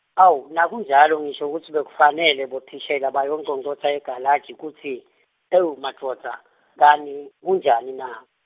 awu nakunjalo ngisho kutsi bekufanele bothishela bayonconcotsa egalaji kutsi , ewumadvodza, kani kunjanina?